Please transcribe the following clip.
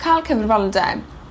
Ca'l cyfrifoldeb.